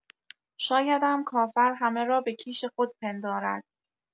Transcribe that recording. شایدم کافر همه را به کیش خود پندارد